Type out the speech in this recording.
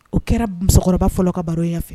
O kɛra musokɔrɔba fɔlɔ ka baroya fɛ